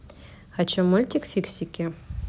хочу мультик фиксики